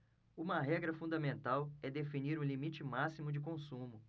uma regra fundamental é definir um limite máximo de consumo